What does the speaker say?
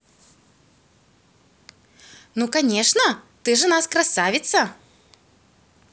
ну конечно ты же нас красавица